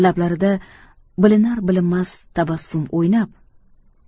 lablarida bilinar bilinmas tabassum o'ynab